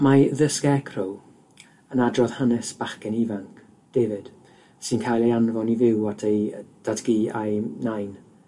Mae The Scarecrow yn adrodd hanes bachgen ifanc, David, sy'n cael ei anfon i fyw at ei yy dadgu a'u nain